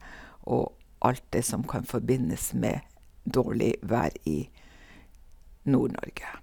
Og alt det som kan forbindes med dårlig vær i Nord-Norge.